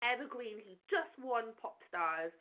Evergreen, he just won Popstars.